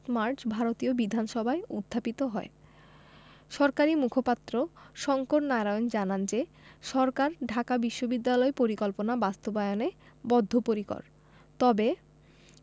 March ভারতীয় বিধানসভায় উত্থাপিত হয় সরকারি মুখপাত্র শঙ্কর নারায়ণ জানান যে সরকার ঢাকা বিশ্ববিদ্যালয় পরিকল্পনা বাস্তবায়নে বদ্ধপরিকর তবে